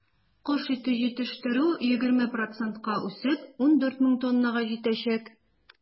Кош ите җитештерү, 20 процентка үсеп, 14 мең тоннага җитәчәк.